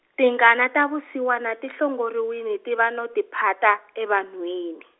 tingana ta vusiwana ti hlongoriwile tiva no tiphata evanhwini.